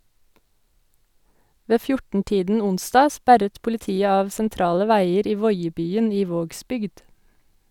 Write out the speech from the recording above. Ved 14 tiden onsdag sperret politiet av sentrale veier i Voiebyen i Vågsbygd.